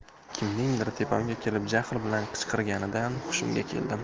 kimningdir tepamga kelib jahl bilan qichqirganidan hushimga keldim